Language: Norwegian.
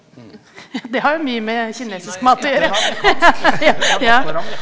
det har jo mye med kinesisk mat å gjøre ja.